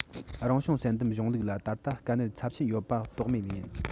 རང བྱུང བསལ འདེམས གཞུང ལུགས ལ ད དུང དཀའ གནད ཚབས ཆེན ཡོད པ དོགས མེད ཡིན